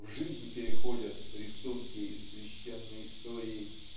в жизнь переходят рисунки из Священной истории